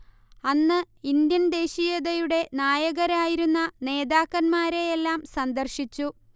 അന്ന് ഇൻഡ്യൻ ദേശീയതയുടെ നായകരായിരുന്ന നേതാക്കന്മാരെയെല്ലാം സന്ദർശിച്ചു